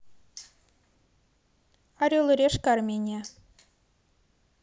орел и решка армения